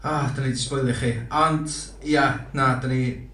Oh 'dan ni 'di sbwylio chi, ond, ia, na, 'dan ni